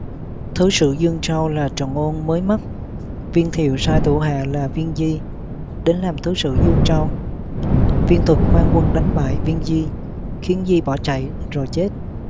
thứ sử dương châu là trần ôn mới mất viên thiệu sai thủ hạ là viên di đến làm thứ sử dương châu viên thuật mang quân đánh bại viên di khiến di bỏ chạy rồi chết